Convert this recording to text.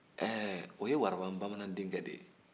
ɛɛ o ye warababamanan denkɛ de ye